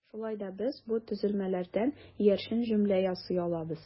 Шулай да без бу төзелмәләрдән иярчен җөмлә ясый алабыз.